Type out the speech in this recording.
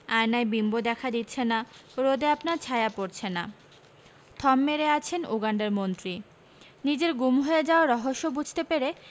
আয়নায় বিম্ব দেখা দিচ্ছে না রোদে আপনার ছায়া পড়ছে না থম মেরে আছেন উগান্ডার মন্ত্রী নিজের গুম হয়ে যাওয়ার রহস্য বুঝতে পেরে